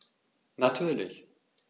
Natürlich.